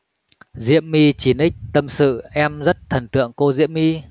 diễm my chín x tâm sự em rất thần tượng cô diễm my